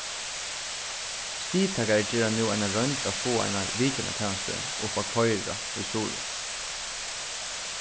stigtakarar gera nú eina roynd at fáa eina vitjanartænastu upp at koyra í suðuroy